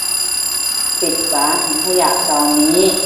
ปิดฝาถังขยะตอนนี้